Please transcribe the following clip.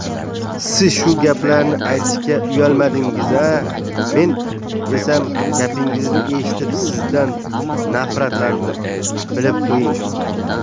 siz shu gaplarni aytishga uyalmadingiz a men esam gapingizni eshitib sizdan nafratlandim bilib qo'ying